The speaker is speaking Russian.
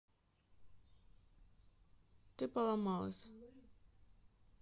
ты поломалась